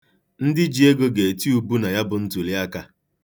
Ndị ji ego ga-eti ubu na ya bu ntụli aka.